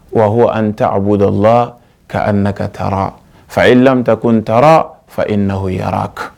Wa huwa an taa abuda laahu ka anaka taraahu, fa in lam takunn taraahu, fa innahu yaraaka